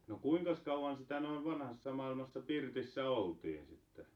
no kuinkas kauan sitä noin vanhassa maailmassa pirtissä oltiin sitten